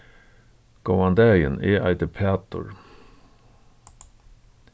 góðan dagin eg eiti pætur